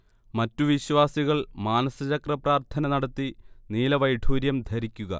മറ്റു വിശ്വാസികൾ മാനസചക്ര പ്രാർത്ഥന നടത്തി നീലവൈഢൂര്യം ധരിക്കുക